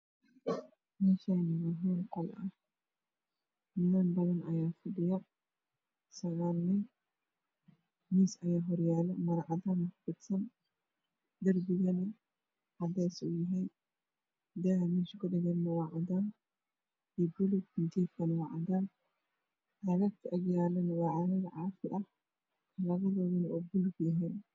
Meshani waa mel hol ah oo qol ah niman badan ayaa fadhiya sagaal nin mis ayaa hor yala mara cadana ayaa saran derbigana waa cadan dahana waa cadan jif cadan ayaa yala iyo cagad cafiya